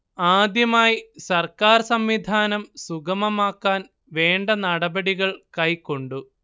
ആദ്യമായി സർക്കാർ സംവിധാനം സുഗമമാക്കാൻ വേണ്ട നടപടികൾ കൈക്കൊണ്ടു